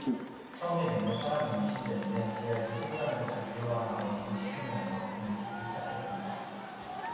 처음에 몇몇 사람은 미신 때문에 지하에서 채굴하는 것을 두려워한 나머지 지표면에서 금을 찾기 시작했습니다